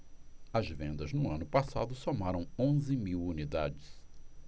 as vendas no ano passado somaram onze mil unidades